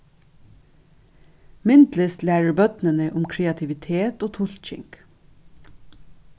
myndlist lærir børnini um kreativitet og tulking